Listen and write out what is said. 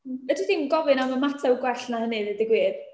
Fedri di'm gofyn am ymateb gwell na hynna, deud y gwir.